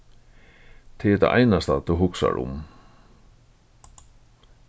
tað er tað einasta tú hugsar um